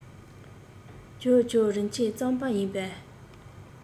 ཇོ ཇོ རིན ཆེན རྩམ པ ཡིན པས